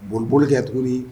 Boli bolo kɛkun